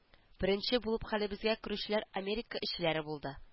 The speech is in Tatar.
Беренче булып хәлебезгә керүчеләр америка эшчеләре булды